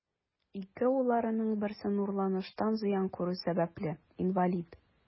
Ике улларының берсе нурланыштан зыян күрү сәбәпле, инвалид.